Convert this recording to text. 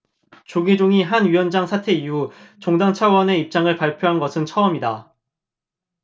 조계종이 한 위원장 사태 이후 종단 차원의 입장을 발표한 것은 처음이다